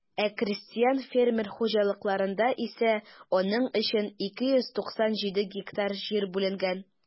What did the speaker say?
Ә крестьян-фермер хуҗалыкларында исә аның өчен 297 гектар җир бүленгән.